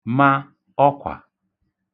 ma ọkwà